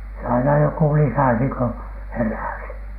se aina joku lisäsi kun heräsi